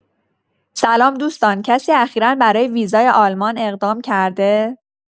سلام دوستان کسی اخیرا برای ویزای آلمان اقدام کرده؟